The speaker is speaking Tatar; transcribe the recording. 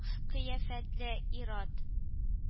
Кыяфәтле ир-ат